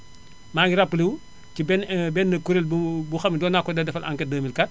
maa ngi rappelé wu ci benn benn kuréel boo xam ne doon naa ko defal enquête 2004